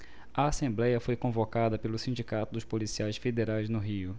a assembléia foi convocada pelo sindicato dos policiais federais no rio